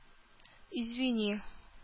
Извини